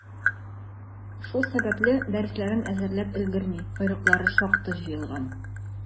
Шул сәбәпле, дәресләрен әзерләп өлгерми, «койрыклары» шактый җыелган.